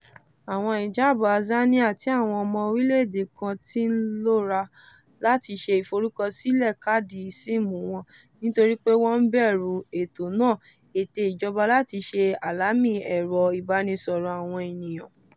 Àwọn ìjábọ̀ Azania tí àwọn ọmọ orílẹ̀ èdè kan ti ń lọ́ra láti ṣe ìforúkọsílẹ̀ káàdì SIM wọn nítorí pé wọ́n ń bẹ̀rù ètò náà "ète ìjọba láti ṣe alamí ẹ̀rọ ìbánisọ̀rọ̀ àwọn ènìyàn".